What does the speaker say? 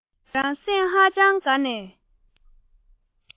ང རང སེམས ཧ ཅང དགའ ནས